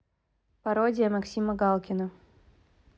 пародия максима галкина